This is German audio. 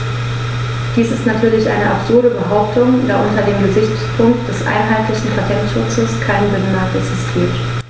Dies ist natürlich eine absurde Behauptung, da unter dem Gesichtspunkt des einheitlichen Patentschutzes kein Binnenmarkt existiert.